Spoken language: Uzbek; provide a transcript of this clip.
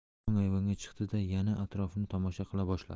so'ng ayvonga chiqdi da yana atrofni tomosha qila boshladi